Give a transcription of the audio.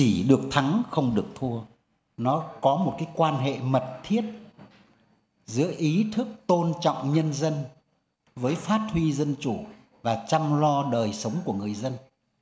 chỉ được thắng không được thua nó có một cái quan hệ mật thiết giữa ý thức tôn trọng nhân dân với phát huy dân chủ và chăm lo đời sống của người dân